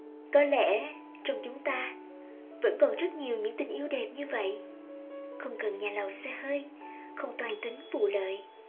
có lẽ trong chúng ta vẫn còn rất nhiều những tình yêu đẹp như vậy không cần nhà lầu xe hơi không toan tính vụ lợi